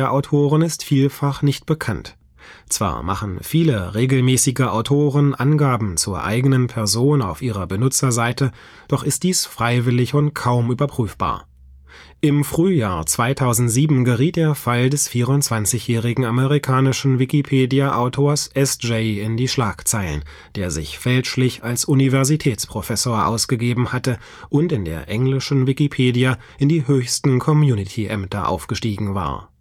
Wikipedia-Autoren ist vielfach nicht bekannt. Zwar machen viele regelmäßige Autoren Angaben zur eigenen Person auf ihrer Benutzerseite, doch ist dies freiwillig und kaum überprüfbar. Im Frühjahr 2007 geriet der Fall des 24-jährigen amerikanischen Wikipedia-Autors Essjay in die Schlagzeilen, der sich fälschlich als Universitätsprofessor ausgegeben hatte und in der englischen Wikipedia in die höchsten Community-Ämter aufgestiegen war